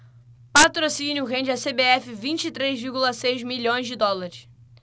patrocínio rende à cbf vinte e três vírgula seis milhões de dólares